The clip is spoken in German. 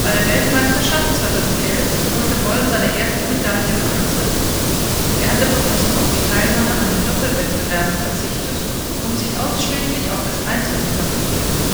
der Weltmeisterschaft 2011 holte Boll seine erste Medaille im Einzel. Er hatte bewusst auf die Teilnahme an den Doppelwettbewerben verzichtet, um sich ausschließlich auf das Einzel zu konzentrieren